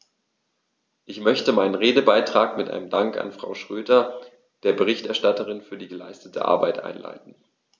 Ich möchte meinen Redebeitrag mit einem Dank an Frau Schroedter, der Berichterstatterin, für die geleistete Arbeit einleiten.